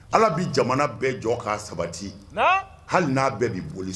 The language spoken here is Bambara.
Ala bɛ jamana bɛɛ jɔ k'a sabati hali n'a bɛɛ bɛi boli